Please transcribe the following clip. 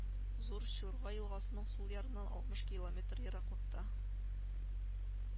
Зур Чурга елгасының сул ярыннан алтмыш километр ераклыкта